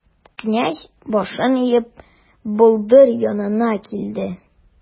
Князь, башын иеп, болдыр янына килде.